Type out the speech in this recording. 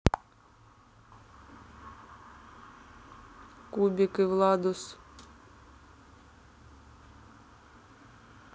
кубик и владус